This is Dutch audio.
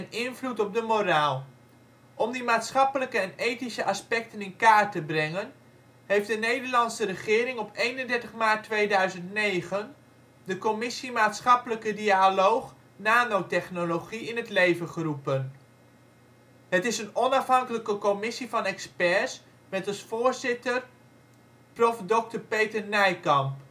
invloed op de moraal. Om die maatschappelijke en ethische aspecten in kaart te brengen heeft de Nederlandse regering op 31 maart 2009 de Commissie Maatschappelijke Dialoog Nanotechnologie in het leven geroepen. Het is een onafhankelijke commissie van experts met als voorzitter is prof. dr. Peter Nijkamp